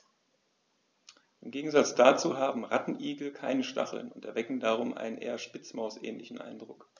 Im Gegensatz dazu haben Rattenigel keine Stacheln und erwecken darum einen eher Spitzmaus-ähnlichen Eindruck.